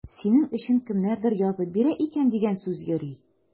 Синең өчен кемнәрдер язып бирә икән дигән сүз йөри.